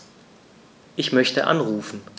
Ich möchte anrufen.